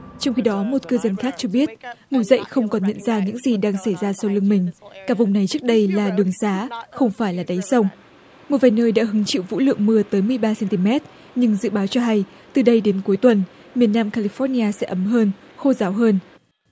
trong khi đó một cư dân khác cho biết ngủ dậy không còn nhận ra những gì đang xảy ra sau lưng mình cả vùng này trước đây là đường xá không phải là đáy sông một vài nơi đã hứng chịu vũ lượng mưa tới mười ba xen ti mét nhưng dự báo cho hay từ đây đến cuối tuần miền nam ka li phóc li a sẽ ấm hơn khô ráo hơn